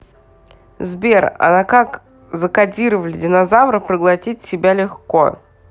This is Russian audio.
сбер она как закодировали динозавров проглотить тебя легко